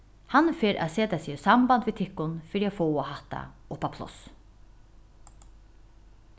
hann fer at seta seg í samband við tykkum fyri at fáa hatta upp á pláss